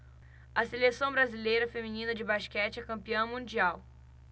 a seleção brasileira feminina de basquete é campeã mundial